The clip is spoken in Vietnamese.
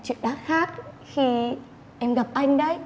chuyện đã khác khi em gặp anh đấy